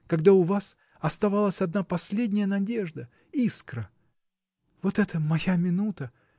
когда у вас оставалась одна последняя надежда. искра. Вот это — моя минута!